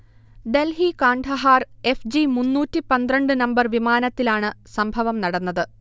Delhi-Kandahar F. G മുന്നൂറ്റി പന്ത്രണ്ട് നമ്പർ വിമാനത്തിലാണ് സംഭവം നടന്നത്